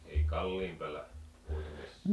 ei kallion päällä puitu missään